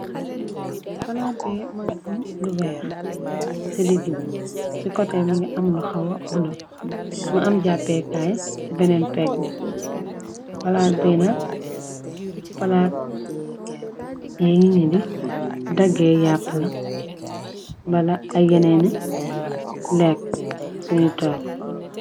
Palaat bi më ngi am lu weeh ci digi bi, ci kote mu ngi am lu hawa bulo, mu am jàppeekaay ci benen pegg bi. Palaat bi nak palaat ye ñiñi di daggee yàpp la bala ay yeneeni lekk ciñuy toog.